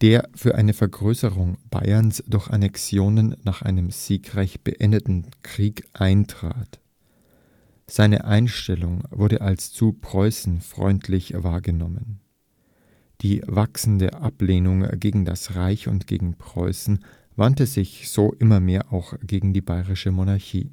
der für eine Vergrößerung Bayerns durch Annexionen nach einem siegreich beendeten Krieg eintrat. Seine Einstellung wurde als zu preußenfreundlich wahrgenommen. Die wachsende Ablehnung gegen das Reich und gegen Preußen wandte sich so immer mehr auch gegen die bayerische Monarchie